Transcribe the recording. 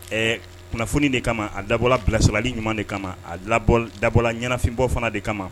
Ɛɛ kunnafoni de kama a dabɔla bilasiralali ɲuman de kama abɔ dabɔla ɲɛnafinbɔ fana de kama